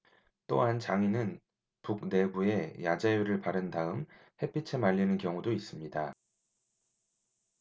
또한 장인은 북 내부에 야자유를 바른 다음 햇빛에 말리는 경우도 있습니다